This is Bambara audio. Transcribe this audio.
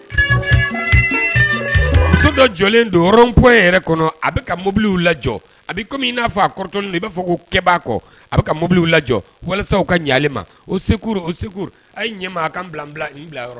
So dɔ jɔlen donp yɛrɛ kɔnɔ a bɛ ka mobili lajɔ a komi n'a fɔ a kɔrɔ i b'a fɔ ko kɛ kɔ a bɛ ka mobiliw lajɔ walasa ka ɲali ma o se se a ɲɛmaa a ka bila bila bila yɔrɔ